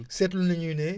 seetlu nañu ne